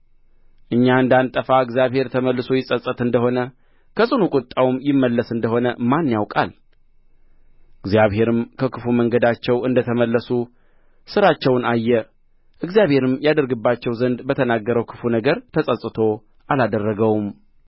እኛ እንዳንጠፋ እግዚአብሔር ተመልሶ ይጸጸት እንደ ሆነ ከጽኑ ቍጣውም ይመለስ እንደ ሆነ ማን ያውቃል እግዚአብሔርም ከክፉ መንገዳቸው እንደተመለሱ ሥራቸውን አየ እግዚአብሔርም ያደርግባቸው ዘንድ በተናገረው ክፉ ነገር ተጸጽቶ አላደረገውም